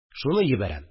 Шуны йибәрәм